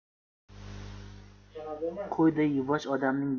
qo'yday yuvosh odamning